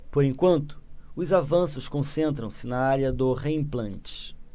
por enquanto os avanços concentram-se na área do reimplante